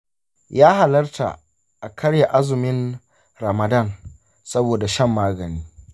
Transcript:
ya halatta a karya azumin ramadan saboda shan magani.